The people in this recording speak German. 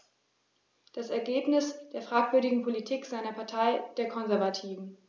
Das ist das Ergebnis der fragwürdigen Politik seiner Partei, der Konservativen.